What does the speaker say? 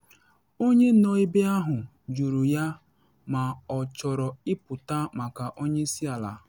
Onye nọ ebe ahụ jụrụ ya ma ọ chọrọ ịpụta maka onye isi ala.